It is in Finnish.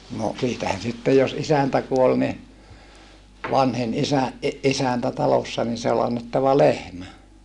no siitähän sitten jos isäntä kuoli niin vanhin isä - isäntä talossa niin se oli annettava lehmä